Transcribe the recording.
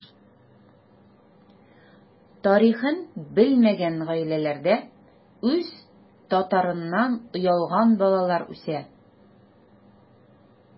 Тарихын белмәгән гаиләләрдә үз татарыннан оялган балалар үсә.